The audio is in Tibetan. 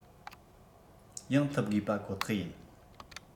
ཡང ཐུབ དགོས པ ཁོ ཐག ཡིན